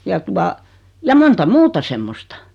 ja tuota ja monta muuta semmoista